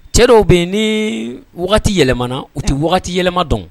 Cɛ dɔw bɛ yen ni wagatiy yɛlɛmamana u tɛy yɛlɛma dɔn